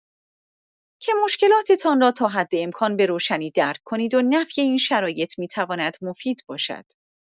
که مشکلاتتان را تا حدامکان به‌روشنی درک کنید و نفی این شرایط می‌تواند مفید باشد.